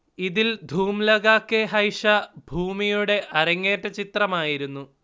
ഇതിൽ ധൂം ലഗ കെ ഹൈഷ ഭൂമിയുടെ അരങ്ങേറ്റ ചിത്രമായിരുന്നു